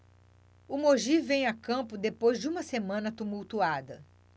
o mogi vem a campo depois de uma semana tumultuada